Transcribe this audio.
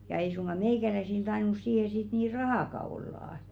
ja ei suinkaan meikäläisillä tainnut siihen sitten niin rahaakaan olla